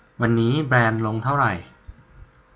วันนี้แบรนด์ลงเท่าไหร่